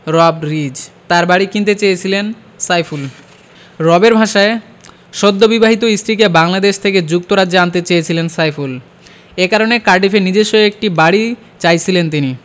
রব রিজ তাঁর বাড়ি কিনতে চেয়েছিলেন সাইফুল রবের ভাষায় সদ্যবিবাহিত স্ত্রীকে বাংলাদেশ থেকে যুক্তরাজ্যে আনতে চেয়েছিলেন সাইফুল এ কারণে কার্ডিফে নিজস্ব একটি বাড়ি চাইছিলেন তিনি